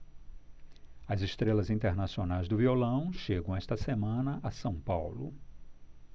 as estrelas internacionais do violão chegam esta semana a são paulo